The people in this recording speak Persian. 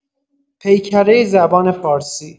پیکره زبان فارسی